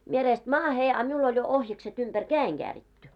minä reestä maahan a minulla oli jo ohjakset ympäri käden kääritty